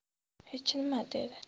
hech nima dedi